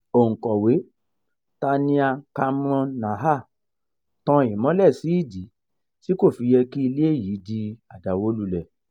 Òǹkọ̀wé Tania Kamrun Nahar tan ìmọ́lẹ̀ sí ìdí tí kò fi yẹ kí ilé yìí di àdàwólulẹ̀: